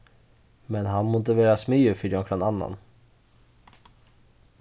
men hann mundi vera smiður fyri onkran annan